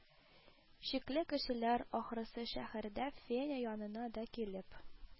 Шикле кешеләр, ахрысы, шәһәрдә феня янына да килеп